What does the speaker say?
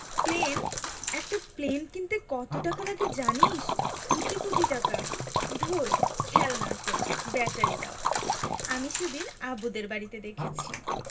plane একটা plane কিনতে কত টাকা লাগে জানিস কোটি কোটি টাকা ধুর খেলনার প্লেন ব্যাটারি দেয়া আমি সেদিন আবুদের বাড়িতে দেখেছি